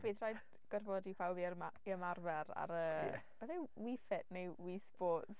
Bydd rhaid gorfodi pawb i yrma- ymarfer ar y... ie... Beth yw Wii Fit neu Wii Sports.